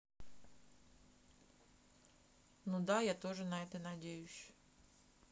ну да я тоже на это надеюсь